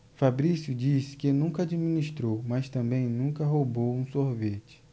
fabrício disse que nunca administrou mas também nunca roubou um sorvete